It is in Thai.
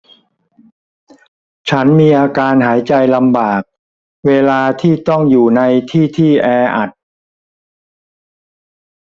ฉันมีอาการหายใจลำบากเวลาที่ต้องอยู่ในที่ที่แออัด